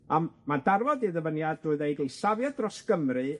a m- mae'n darfod ei ddyfyniad drwy ddeud ei safiad dros Gymru